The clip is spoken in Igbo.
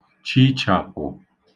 chīchàpụ̀